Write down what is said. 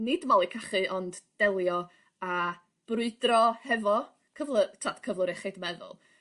nid malu cachu ond delio a brwydro hefo cyfly- t'od cyflwr iechyd meddwl.